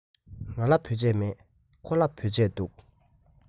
ང ལ བོད ཆས མེད ཁོ ལ བོད ཆས འདུག